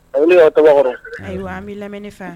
Y' tɔgɔkɔrɔ ayiwa an bɛ lam ne fɛ